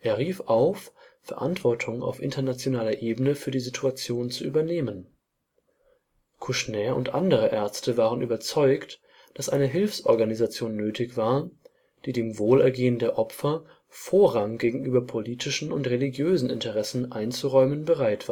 Er rief auf, Verantwortung auf internationaler Ebene für die Situation zu übernehmen. Kouchner und andere Ärzte waren überzeugt, dass eine Hilfsorganisation nötig war, die dem Wohlergehen der Opfer Vorrang gegenüber politischen und religiösen Interessen einzuräumen bereit